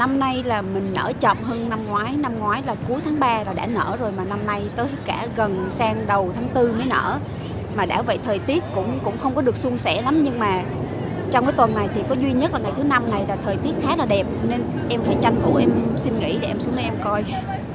năm nay là mình nở chậm hơn năm ngoái năm ngoái là cuối tháng ba là đã nở rồi mà năm nay tới cả gần sang đầu tháng tư mới nở mà đã vậy thời tiết cũng cũng không được suôn sẻ lắm nhưng mà trong tuần này chỉ có duy nhất là ngày thứ năm này thời tiết khá đẹp nên em phải tranh thủ xin nghỉ em xuống em coi